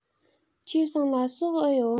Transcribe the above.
ཁྱེད ཚང ལ ཟོག འུ ཡོད